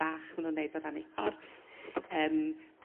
bach ma nhw'n 'neud o ran eu corff yrm